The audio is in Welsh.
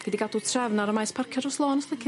Gei di gadw trefn ar y maes parcio dros lôn os lici di.